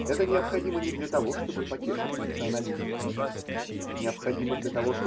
Это необходимо не для того, чтобы потешить националистов. Это необходимо для того.